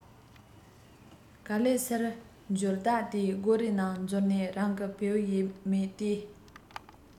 ག ལེར སར འབྱོར བདག དེའི སྒོ རའི ནང འཛུལ ནས རང གི བེའུ དེ ཡིད མེད བལྟས